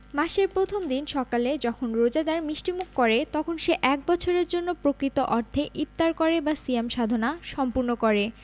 মাসের প্রথম দিন সকালে যখন রোজাদার মিষ্টিমুখ করে তখন সে এক বছরের জন্য প্রকৃত অর্থে ইফতার করে বা সিয়াম সাধনা সম্পূর্ণ করে